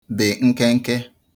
be nkenke